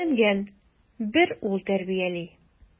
Өйләнгән, бер ул тәрбияли.